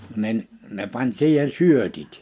niin ne pani siihen syötit